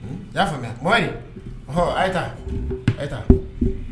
I y'a faamuya Mohamɛdi, ɔhɔ a' ye taa